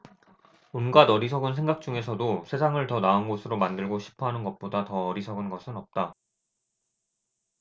온갖 어리석은 생각 중에서도 세상을 더 나은 곳으로 만들고 싶어 하는 것보다 더 어리석은 것은 없다